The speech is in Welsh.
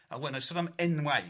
A wel, wna i sôn am enwau.